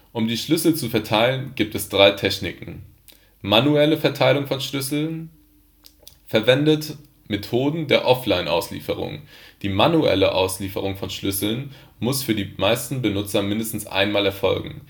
Um die Schlüssel zu verteilen, gibt es drei Techniken: Manuelle Verteilung von Schlüsseln Verwendet Methoden der Offline-Auslieferung. Die manuelle Auslieferung von Schlüsseln muss für die meisten Benutzer mindestens einmal erfolgen